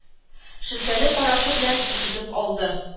Шелтәле карашы белән өшетеп алды.